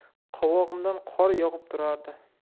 qovog'idan qor yog'ib turardi